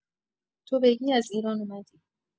تو بگی از ایران اومدی